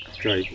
jaayi ko